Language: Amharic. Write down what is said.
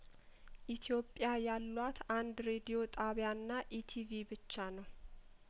ኢትዮጵያ ያሏት አንድ ሬድዮ ጣቢያና ኢቲቪ ብቻ ነው